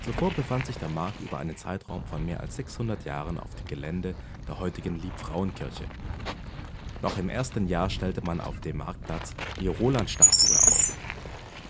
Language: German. Zuvor befand sich der Markt über einen Zeitraum von mehr als 600 Jahren auf dem Gelände der heutigen Liebfrauenkirche. Noch im ersten Jahr stellte man auf dem Marktplatz die Roland-Statue auf.